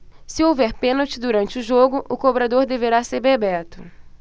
se houver pênalti durante o jogo o cobrador deverá ser bebeto